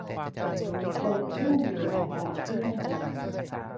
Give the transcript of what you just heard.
เปิดเครื่องดูดอากาศที่ห้องน้ำ